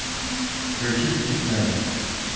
включить дисней